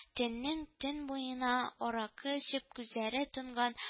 Төннең-төн буена аракы эчеп күзләре тонган